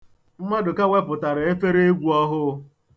Madụka wepụtara efereegwu ọhụụ.